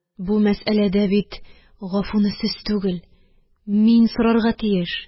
Бу мәсьәләдә бит гафуны сез түгел, мин сорарга тиеш